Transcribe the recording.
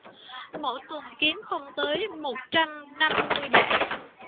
mỗi tuần kiếm không tới một trăm năm mươi bảng